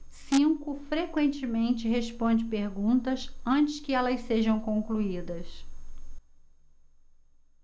cinco frequentemente responde perguntas antes que elas sejam concluídas